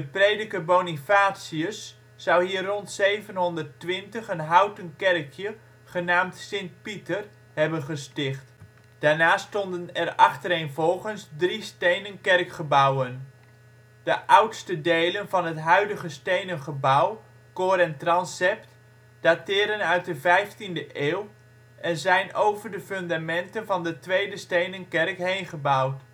prediker Bonifatius zou hier rond 720 een houten kerkje genaamd Sint Pieter, hebben gesticht. Daarna stonden er achtereenvolgens drie stenen kerkgebouwen. De oudste delen van het huidige stenen gebouw (koor en transept) dateren uit de 15de eeuw en zijn over de fundamenten van de tweede stenen kerk heen gebouwd